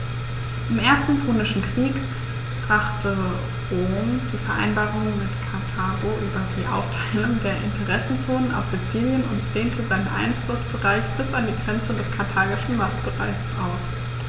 Im Ersten Punischen Krieg brach Rom die Vereinbarung mit Karthago über die Aufteilung der Interessenzonen auf Sizilien und dehnte seinen Einflussbereich bis an die Grenze des karthagischen Machtbereichs aus.